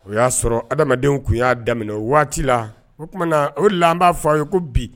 O y'a sɔrɔ adamadamadenw tun y'a daminɛ waati la o tumaumana o laban'a fɔ a ye ko bi